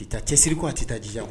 I taa cɛsiriku a tɛ taa dija kuwa